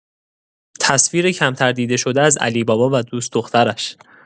تصویر کمتر دیده شده از علی‌بابا و دوست دخترش.